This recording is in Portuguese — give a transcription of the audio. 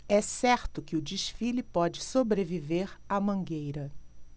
é certo que o desfile pode sobreviver à mangueira